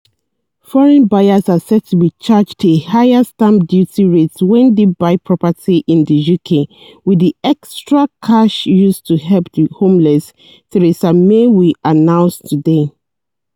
Foreign buyers are set to be charged a higher stamp duty rate when they buy property in the UK - with the extra cash used to help the homeless, Theresa May will announce today.